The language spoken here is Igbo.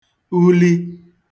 uli